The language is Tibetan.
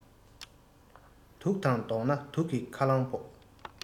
དུག དང བསྡོངས ན དུག གི ཁ རླངས ཕོག